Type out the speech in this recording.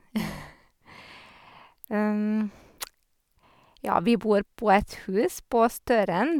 Ja, vi bor på et hus på Støren.